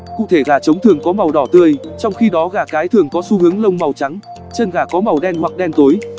cụ thể gà trống thường có màu đỏ tươi trong khi đó gà cái thường có xu hướng lông màu trắng chân gà có màu đen hoặc đen tối